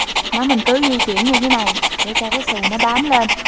nó mình cứ di chuyển như thế này để cho cái xù nó bám lên